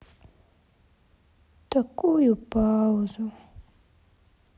такую паузу